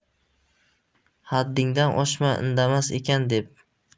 haddingdan oshma indamas ekan deb